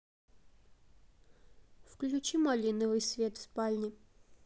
включи малиновый свет в спальне